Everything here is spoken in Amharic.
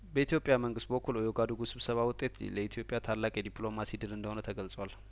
በኢትዮጵያ መንግስት በኩል የኦጋዱጉው ስብሰባ ውጤት ለኢትዮጵያ ታላቅ የዲፕሎማሲ ድል እንደሆነ ተገልጿል